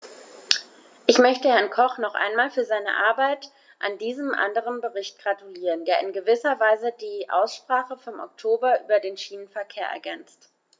Ich möchte Herrn Koch noch einmal für seine Arbeit an diesem anderen Bericht gratulieren, der in gewisser Weise die Aussprache vom Oktober über den Schienenverkehr ergänzt.